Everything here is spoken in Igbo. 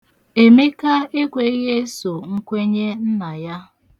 Emeka ekweghị eso nkwenye nna ya.